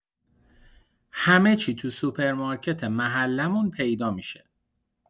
همه‌چی تو سوپرمارکت محله‌مون پیدا می‌شه.